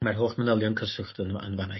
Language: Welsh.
mae'r holl manylion cyswllt yno an fanau.